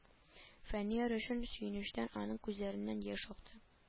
Фәнияр өчен сөенечтән аның күзләреннән яшь акты